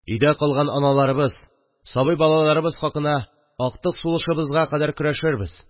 – өйдә калган аналарыбыз, сабый балаларыбыз хакына актык сулышыбызга кадәр көрәшербез